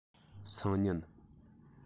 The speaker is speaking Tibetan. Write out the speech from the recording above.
སང ཉིན